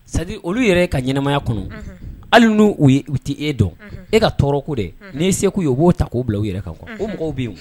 c'est à dire olu yɛrɛ ka ɲɛnamaya kɔnɔ hali nu tɛ e dɔn , e ka tɔɔrɔ ko dɛ ni ye se ku ye u bo ta ko bila u yɛrɛ kan o mɔgɔw be yen.